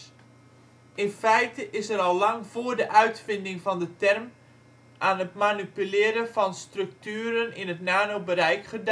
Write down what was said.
feite is er al lang voor de uitvinding van de term aan het manipuleren van structuren in het nanometerbereik